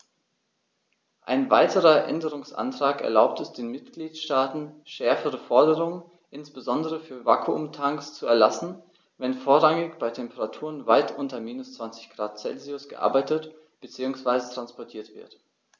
Ein weiterer Änderungsantrag erlaubt es den Mitgliedstaaten, schärfere Forderungen, insbesondere für Vakuumtanks, zu erlassen, wenn vorrangig bei Temperaturen weit unter minus 20º C gearbeitet bzw. transportiert wird.